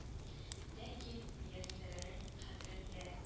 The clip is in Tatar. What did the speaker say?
Ләкин мияссәрәнең хәтерендә